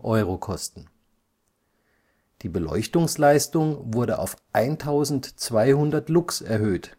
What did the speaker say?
Euro kosten. Die Beleuchtungsleistung wurde auf 1.200 Lux erhöht,